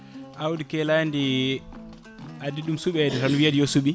awdi keeladi addi ɗum suuɓede tan wiyede yo suuɓe